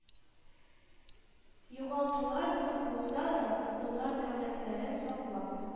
Югалтулар күп булса да, гуннар дәүләтләрен саклап